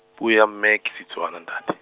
puo ya mme, ke Setswana ntate.